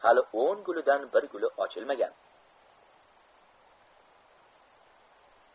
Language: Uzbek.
hali o'n gulidan bir guli ochilmagan